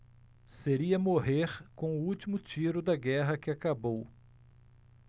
seria morrer com o último tiro da guerra que acabou